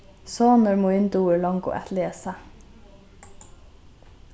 sonur mín dugir longu at lesa